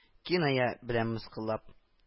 Киная белән мыскыллап: